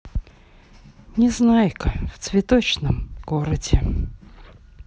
незнайка в цветочном городе